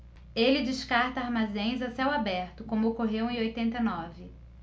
ele descarta armazéns a céu aberto como ocorreu em oitenta e nove